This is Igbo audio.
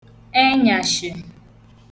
enyàshị̀